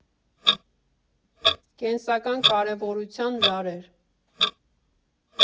Կենսական կարևորության լարեր։